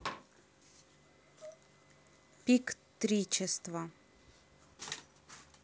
пик тричества